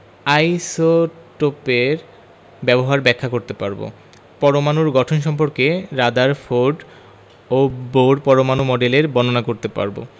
⦁ আইসোটোপের ব্যবহার ব্যাখ্যা করতে পারব ⦁ পরমাণুর গঠন সম্পর্কে রাদারফোর্ড ও বোর পরমাণু মডেলের বর্ণনা করতে পারব